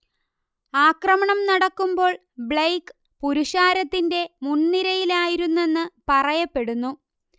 ആക്രമണം നടക്കുമ്പോൾ ബ്ലെയ്ക്ക് പുരുഷാരത്തിന്റെ മുൻനിരയിലായിരുന്നെന്ന് പറയപ്പെടുന്നു